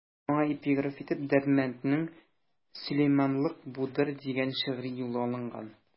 Аңа эпиграф итеп Дәрдмәнднең «Сөләйманлык будыр» дигән шигъри юлы алынган.